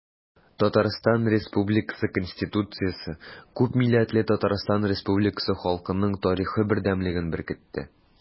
Татарстан Республикасы Конституциясе күпмилләтле Татарстан Республикасы халкының тарихы бердәмлеген беркетте.